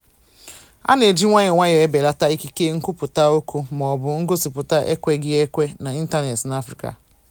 A na-eji nwayọọ nwayọọ ebelata ikike nkwupụta okwu mọọbụ ngosipụta ekweghị ekwe na ịntaneetị n'Afrịka.